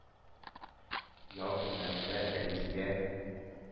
Ял көннәрендә әлкигә,